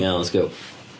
Ia, let's go.